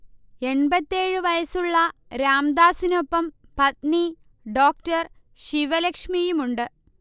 എൺപത്തിയേഴ് വയസ്സുളള രാംദാസിനൊപ്പം പത്നി ഡോ. ശിവ ലക്ഷ്മിയുമുണ്ട്